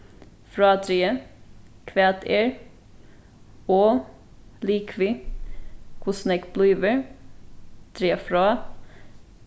frádrigið hvat er og ligvið hvussu nógv blívur draga frá